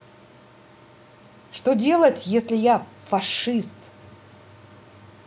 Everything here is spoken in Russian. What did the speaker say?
что делать если я фашист